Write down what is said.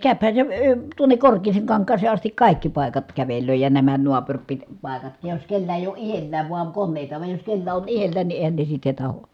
ja käyhän se - tuonne Korkeaankankaaseen asti kaikki paikat kävelee ja nämä - naapuripaikatkin jos kenellä ei ole itsellään vain koneita vaan jos kenellä on itsellään niin eihän ne sitten tahdo